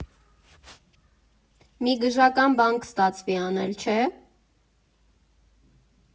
Մի գժական բան կստացվի անել, չէ՞,